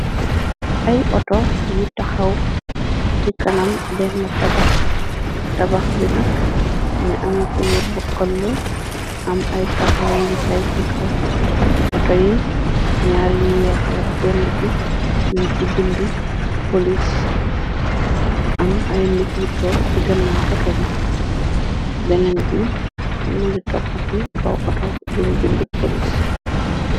Ay oto yu taxaw ci kanam benn tabax bi nakk mngay ana kuluur bu kël am ay tabala yuñ tay ti kaw outo yi ñaar yu weexla ben bi muñ ci bind polis am ay nik bu toog ci gënna auto bi benn bi mu ngi topp ci kaw oto buñ bind polis.